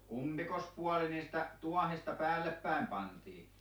kumpi puoli niistä tuohista päälle päin pantiin